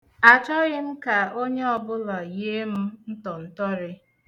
Achọghị m ka onye ọbụla yie m ntọntọrị.